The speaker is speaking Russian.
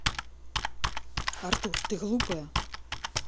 артур ты глупая